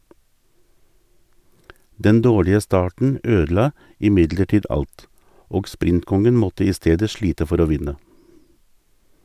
Den dårlige starten ødela imidlertid alt, og sprintkongen måtte i stedet slite for å vinne.